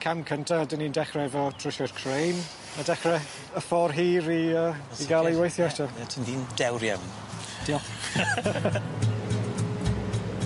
Cam cynta ydyn ni'n dechre efo trwshio'r crane a dechre y ffor hir i yy i ga'l e i weithio eto. Ie ti'n ddyn dewr iawn. Diolch. <cerddoriaeth?